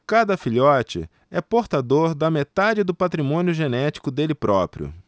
cada filhote é portador da metade do patrimônio genético dele próprio